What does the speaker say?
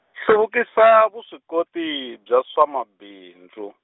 hluvukisa vuswikoti, bya swa mabindzu.